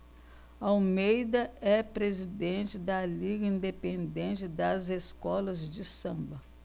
almeida é presidente da liga independente das escolas de samba